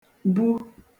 bu